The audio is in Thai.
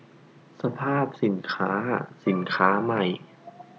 สภาพสินค้าสินค้าใหม่